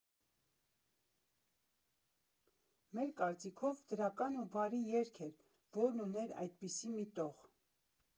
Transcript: Մեր կարծիքով՝ դրական ու բարի երգ էր, որն ուներ այսպիսի մի տող.